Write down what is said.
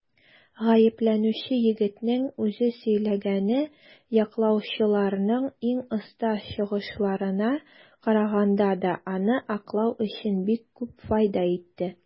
Гаепләнүче егетнең үзе сөйләгәне яклаучыларның иң оста чыгышларына караганда да аны аклау өчен бик күп файда итте.